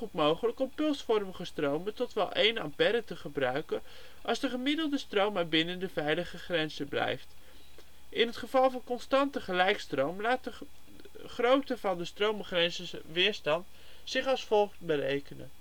mogelijk om pulsvormige stromen tot wel 1 A te gebruiken als de gemiddelde stroom maar binnen de veilige grenzen blijft. In het geval van constante gelijkstroom laat de grootte van de stroombegrenzende weerstand zich als volgt berekenen